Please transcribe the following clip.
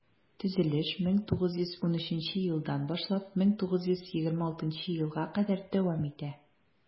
Төзелеш 1913 елдан башлап 1926 елга кадәр дәвам итә.